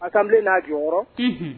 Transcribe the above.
A ka n'a jɔkɔrɔ